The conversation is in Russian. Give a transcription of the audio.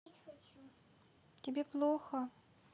тебе плохо